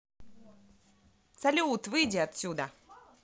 салют выйти отсюда